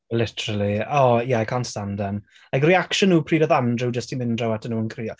Literally, oh yeah, I can't stand him. Like oedd reaction nhw pryd odd Andrew jyst 'di mynd draw atyn nhw yn crio.